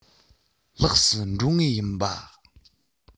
ལེགས སུ འགྲོ ངེས ཡིན པ